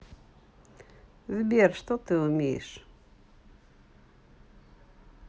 сбер что ты умеешь